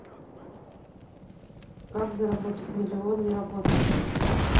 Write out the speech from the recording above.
как заработать миллион не работая